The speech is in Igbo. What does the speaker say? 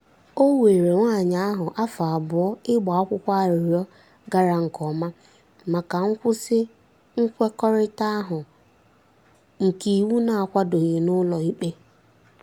O were nwaanyị ahụ afọ abụọ ịgba akwụkwọ arịrịọ gara nke ọma maka nkwụsị nkwekọrịta ahụ nke iwu na-akwadoghị n'ụlọ ikpe.